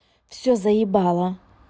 все заебло